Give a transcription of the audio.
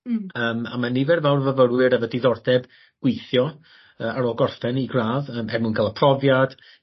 Hmm. Yym a ma' nifer fawr o fyfyrwyr efo diddordeb gweithio yy ar ôl gorffen 'i gradd yym er mwyn ga'l y profiad